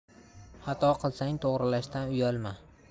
xato qilsang to'g'rilashdan uyalma